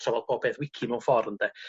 trafod pob peth wici mewn ffor ynde?